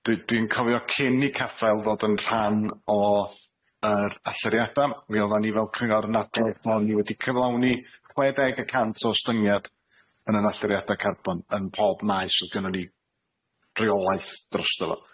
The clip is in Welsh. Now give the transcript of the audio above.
Dwi dwi'n cofio cyn i caffael ddod yn rhan o yr alluriada, mi oddan ni fel cyngor 'n adol bo' ni wedi cyflawni chwe deg y cant ostyngiad yn ein alluriada carbon yn pob maes odd gennon ni rheolaeth drosto fo.